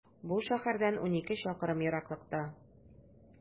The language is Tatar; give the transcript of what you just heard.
Бу шәһәрдән унике чакрым ераклыкта.